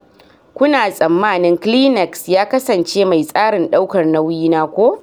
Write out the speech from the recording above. "Kuna tsammani Kleenex ya kasance mai tsarin daukar nauyi na ko.